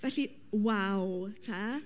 Felly, waw te!